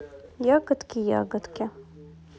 ягодки ягодки